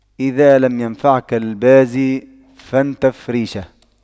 إذا لم ينفعك البازي فانتف ريشه